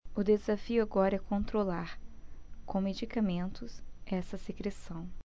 o desafio agora é controlar com medicamentos essa secreção